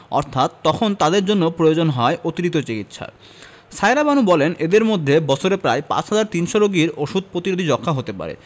অর্থাৎ তখন তাদের জন্য প্রয়োজন হয় অতিরিক্ত চিকিৎসার সায়েরা বানু বলেন এদের মধ্যে বছরে প্রায় ৫ হাজার ৩০০ রোগীর ওষুধ প্রতিরোধী যক্ষ্মা হতে পারে